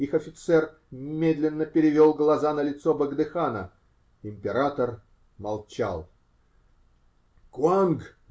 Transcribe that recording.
Их офицер медленно перевел глаза на лицо богдыхана. Император молчал. -- Куанг!